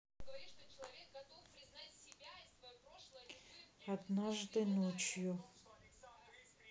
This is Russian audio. однажды ночью